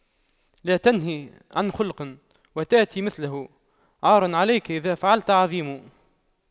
لا تنه عن خلق وتأتي مثله عار عليك إذا فعلت عظيم